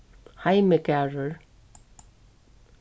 heimigarður